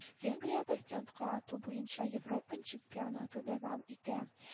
Венгриядә стендка ату буенча Европа чемпионаты дәвам итә